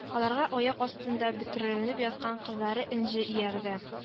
Аларга аяк астында бөтерелеп йөргән кызлары Энҗе иярде